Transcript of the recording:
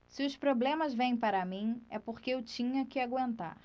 se os problemas vêm para mim é porque eu tinha que aguentar